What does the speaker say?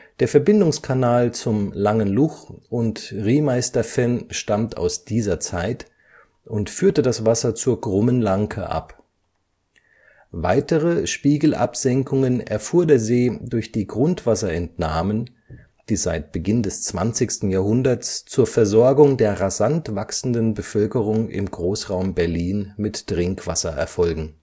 Der Verbindungskanal zum Langen Luch und Riemeisterfenn stammt aus dieser Zeit und führte das Wasser zur Krummen Lanke ab. Weitere Spiegelabsenkungen erfuhr der See durch die Grundwasserentnahmen, die seit Beginn des 20. Jahrhunderts zur Versorgung der rasant wachsenden Bevölkerung im Großraum Berlin mit Trinkwasser erfolgen